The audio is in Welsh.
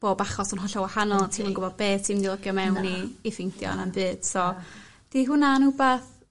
bob achos yn hollol wahanol ti'm yn gwbo be' ti' mynd i logio mewn i i ffeindio na'm byd so 'di hwnna'n wbath